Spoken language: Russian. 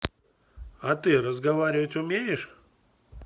а ты разговаривать умеешь